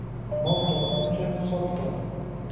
mol topguncha hisob top